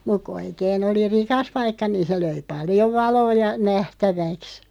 mutta kun oikein oli rikas paikka niin se löi paljon valoa ja nähtäväksi